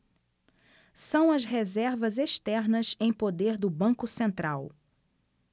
são as reservas externas em poder do banco central